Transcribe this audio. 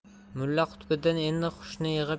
mulla qutbiddin endi hushini